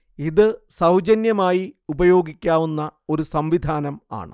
ഇത് സൗജന്യമായി ഉപയോഗിക്കാവുന്ന ഒരു സംവിധാനം ആണ്